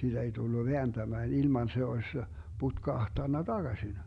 siitä ei tullut vääntämään ilman se olisi putkahtanut takaisin